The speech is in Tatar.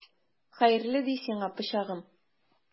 Хәерле ди сиңа, пычагым!